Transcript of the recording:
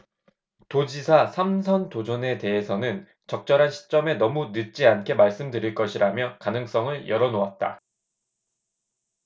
도지사 삼 선 도전에 대해서는 적절한 시점에 너무 늦지 않게 말씀 드릴 것이라며 가능성을 열어놓았다